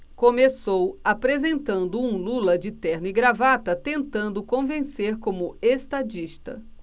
começou apresentando um lula de terno e gravata tentando convencer como estadista